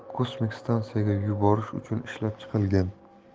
kosmik stansiyaga yuborish uchun ishlab chiqilgan